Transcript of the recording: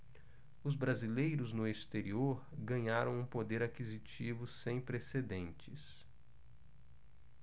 os brasileiros no exterior ganharam um poder aquisitivo sem precedentes